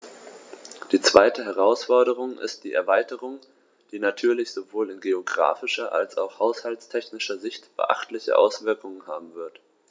Die zweite Herausforderung ist die Erweiterung, die natürlich sowohl in geographischer als auch haushaltstechnischer Sicht beachtliche Auswirkungen haben wird.